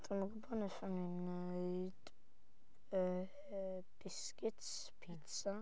Dwi'm yn gwybod. Nathon ni neud yy biscuits pizza